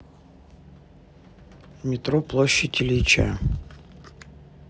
метро площадь ильича